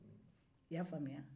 i y'a faamuya